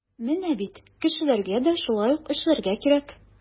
Менә бит кешеләргә дә шулай ук эшләргә кирәк.